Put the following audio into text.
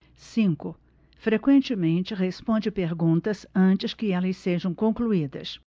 cinco frequentemente responde perguntas antes que elas sejam concluídas